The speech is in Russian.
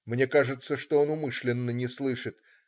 Мне кажется, что он умышленно не слышит.